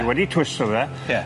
Ni wedi twiso fe. Ie.